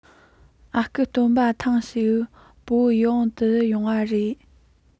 ཨ ཁུ སྟོན པ ཐེངས ཤིག སྤོ བོ ཡིད འོང དུ ཡོང བ རེད